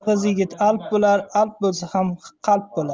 yolg'iz yigit alp bo'lar alp bo'lsa ham qalp bo'lar